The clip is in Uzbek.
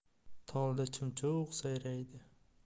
tolda chumchuq sayraydi